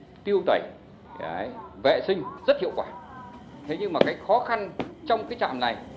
tiêu tẩy ấy vệ sinh rất hiệu quả thế nhưng mà cái khó khăn trong cái trạm này